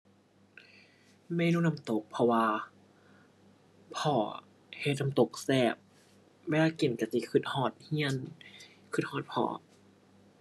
เมนูน้ำตก เพราะว่าพ่อเฮ็ดน้ำตกแซ่บ เวลากินก็สิก็ฮอดก็ ก็ฮอดพ่อ